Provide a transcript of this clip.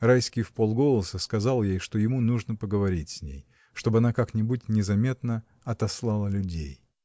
Райский вполголоса сказал ей, что ему нужно поговорить с ней, чтоб она как-нибудь незаметно отослала людей.